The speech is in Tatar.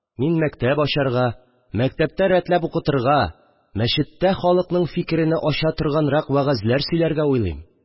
Мин мәктәп ачарга, мәктәптә рәтләп укытырга, мәчеттә халыкның фикерене ача торганрак вәгазьләр сөйләргә уйлыйм